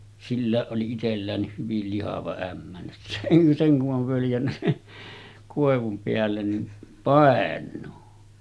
silläkin oli itselläänkin hyvin lihava ämmä sen kun on völjännyt sinne koivun päälle niin painuu